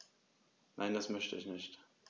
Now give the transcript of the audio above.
Nein, das möchte ich nicht.